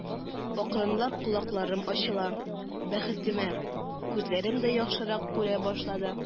Акрынлап колакларым ачыла, бәхетемә, күзләрем дә яхшырак күрә башлады.